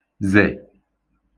z